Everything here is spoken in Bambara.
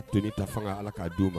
T ta fanga ala k'a don ma